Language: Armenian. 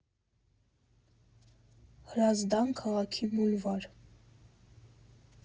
Հրազդան քաղաքի բուլվար։